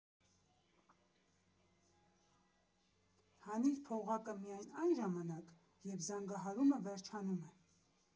Հանի՛ր փողակը միայն այն ժամանակ, երբ զանգահարումը վերջանում է։